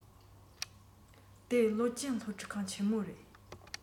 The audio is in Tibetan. དེ གློག ཅན སློབ ཁྲིད ཁང ཆེན རེད